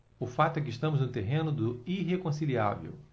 o fato é que estamos no terreno do irreconciliável